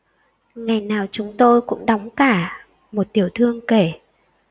ngày nào chúng tôi cũng đóng cả một tiểu thương kể